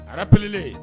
Ple